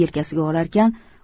yelkasiga olarkan